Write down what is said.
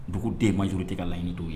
Dugu den majuru tɛ ka laɲiniini' ye